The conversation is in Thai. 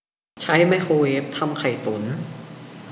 ใช้ไมโครเวฟทำไข่่ตุ๋น